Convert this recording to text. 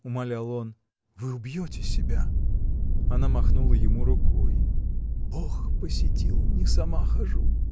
— умолял он, — вы убьете себя. Она махнула ему рукой. — Бог посетил: не сама хожу.